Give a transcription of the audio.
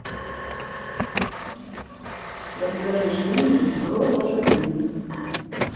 расскажи что нибудь про лошадей